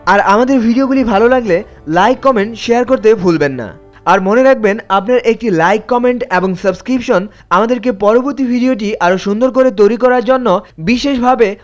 আর আমাদের ভিডিও গুলি ভাল লাগলে লাইক কমেন্ট শেয়ার করতে ভুলবেন না আর মনে রাখবেন আপনার একটি লাইক কমেন্ট এবং সাবস্ক্রিপশন আমাদেরকে পরবর্তীতে ভিডিওটি আরো সুন্দর করে তৈরি করার জন্য বিশেষভাবে